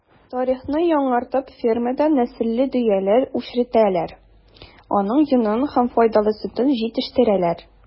Тарихны яңартып фермада нәселле дөяләр үчретәләр, аның йонын һәм файдалы сөтен җитештерәләр.